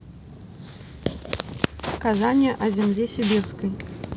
сказание о земле сибирской